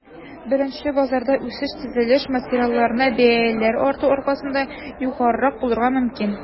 Беренчел базарда үсеш төзелеш материалларына бәяләр арту аркасында югарырак булырга мөмкин.